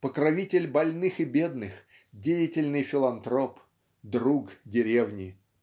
покровитель больных и бедных, деятельный филантроп, друг деревни!